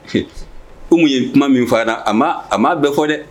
Komi ye kuma min fara a a ma bɛɛ fɔ dɛ